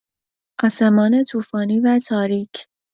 آسمان طوفانی و تاریک